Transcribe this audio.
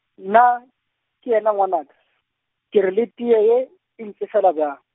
naa, ke yena ngwanaka, ke re le teye ye, e ntsefela bjang?